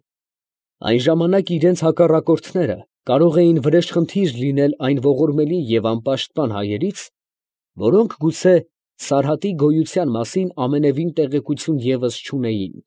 Են, այն ժամանակ իրանց հակառակորդները կարող էին վրեժխնդիր լինել այն ողորմելի և անպաշտպան հայերից, որոնք գուցե Սարհատի գոյության մասին ամենևին տեղեկություն ևս չունեին։